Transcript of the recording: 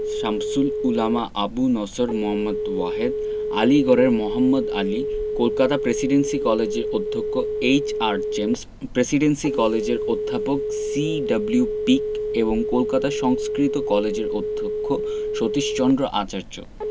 শামসুল উলামা আবু নসর মুহম্মদ ওয়াহেদ আলীগড়ের মোহাম্মদ আলী কলকাতা প্রেসিডেন্সি কলেজের অধ্যক্ষ এইচ.আর জেমস প্রেসিডেন্সি কলেজের অধ্যাপক সি.ডব্লিউ পিক এবং কলকাতা সংস্কৃত কলেজের অধ্যক্ষ সতীশচন্দ্র আচার্য